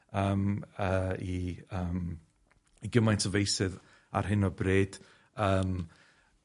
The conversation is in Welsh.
yym yy i yym i gymaint o feysydd ar hyn o bryd, yym